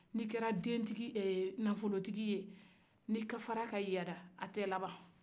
n'i kɛra dentigi eee nafolotigigi ye n'i kafara ka yaada a tɛ laban